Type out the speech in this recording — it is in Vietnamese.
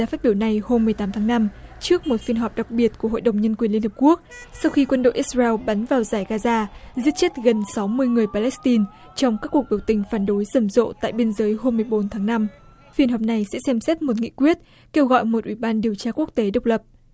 phát biểu này hôm mười tám tháng năm trước một phiên họp đặc biệt của hội đồng nhân quyền liên hiệp quốc sau khi quân đội ích ra eo bắn vào dải ga da giết chết gần sáu mươi người pa lét tin trong các cuộc biểu tình phản đối rầm rộ tại biên giới hôm mười bốn tháng năm phiên họp này sẽ xem xét một nghị quyết kêu gọi một ủy ban điều tra quốc tế độc lập